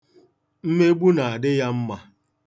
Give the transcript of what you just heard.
Mmegbu na-adị ya mma.